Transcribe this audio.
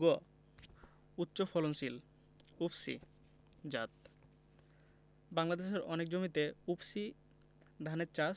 গ উচ্চফলনশীল উফশী জাতঃ বাংলাদেশের অনেক জমিতে উফশী ধানের চাষ